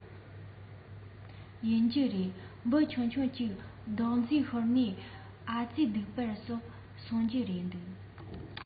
ཡིན གྱི རེད འབུ ཆུང ཆུང ཅིག རྡོག རྫིས ཤོར ནའི ཨ རྩི སྡིག པ བསགས སོང ཟེར གྱི འདུག